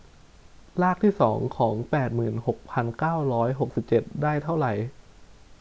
รากที่สองของแปดหมื่นหกพันเก้าร้อยหกสิบเจ็ดได้เท่าไหร่